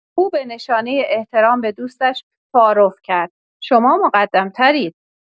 او به نشانه احترام به دوستش تعارف کرد شما مقدم ترید